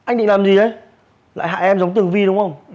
anh định làm gì ấy lại hại em giống tường vi đúng hông